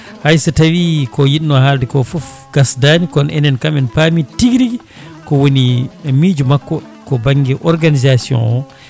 hayso tawi ko yinno haalde ko foof gasdani kono enen kam en paami tigi rigui kowoni miijo makko ko banggue organisation o